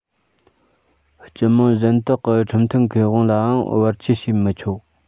སྤྱི དམངས གཞན དག གི ཁྲིམས མཐུན ཁེ དབང ལའང བར ཆད བྱེད མི ཆོག